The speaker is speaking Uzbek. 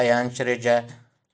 tayanch reja